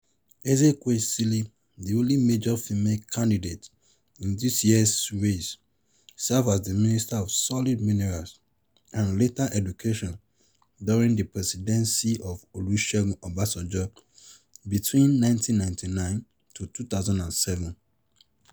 Ezekwesili, the only major female candidate in this year's race, served as the minister of solid minerals and later education during the presidency of Olusegun Obasanjo between 1999 to 2007.